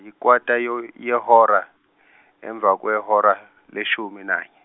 yikwata ye- yehora emva kwehora leshumi nanye.